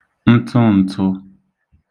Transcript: ntụn̄tụ̄